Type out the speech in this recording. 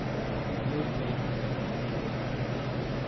nú sleit í